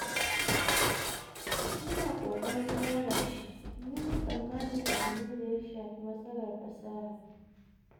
Mu na ƙoƙarin gyara shi, mun yi tsammani abu ne da ya shafi matsalar fasaha.